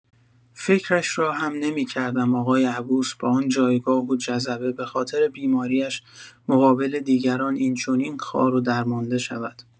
فکرش را هم نمی‌کردم آقای عبوس با آن جایگاه و جذبه به‌خاطر بیماری‌اش، مقابل دیگران این‌چنین خار و درمانده شود.